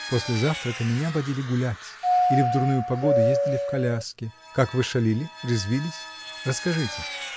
После завтрака меня водили гулять, или в дурную погоду ездили в коляске. — Как вы шалили, резвились? расскажите.